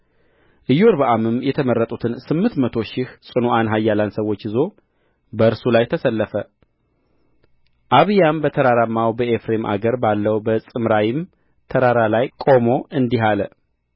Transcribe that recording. ኢዮርብዓምም የተመረጡትን ስምንት መቶ ሺህ ጽኑዓን ኃያላን ሰዎች ይዞ በእርሱ ላይ ተሰለፈ አብያም በተራራማው በኤፍሬም አገር ባለው በጽማራይም ተራራ ላይ ቆሞ እንዲህ አለ